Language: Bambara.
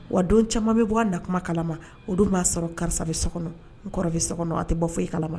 Wa don caman bɛ bɔ a na kuma kalama o don b'a sɔrɔ karisa so kɔnɔ n kɔrɔ bɛ so kɔnɔ a tɛ bɔ fɔ i kalama